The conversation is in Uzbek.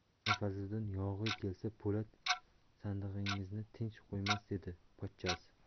mulla fazliddin yog'iy kelsa po'lat sandig'ingizni tinch qo'ymas dedi pochchasi